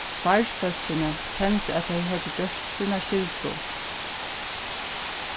starvsfólkini kendu at tey høvdu gjørt sína skyldu